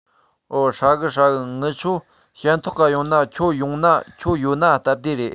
འོ ཧྲ གི ཧྲ གི ངི ཆོ ཞན ཐོག ག ཡོང ན ཁྱོད ཡོང ན ཁྱོད ཡོད ན སྟབས བདེ རེད